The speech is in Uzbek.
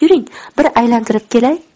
yuring bir aylantirib kelay